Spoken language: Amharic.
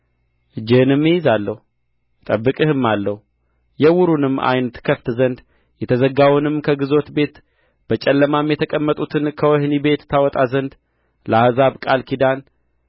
እጅህንም እይዛለሁ እጠብቅህማለሁ የዕውሩንም ዓይን ትከፍት ዘንድ የተጋዘውንም ከግዞት ቤት በጨለማም የተቀመጡትን ከወህኒ ቤት ታወጣ ዘንድ ለሕዝብ ቃል ኪዳን